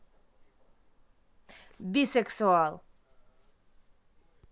бисексуал